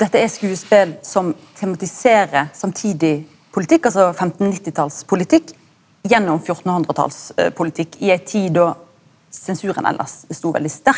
dette er skodespel som tematiserer samtidig politikk altså femtennittitalspolitikk gjennom fjortenhundretalspolitikk i ei tid da sensuren elles sto veldig sterkt.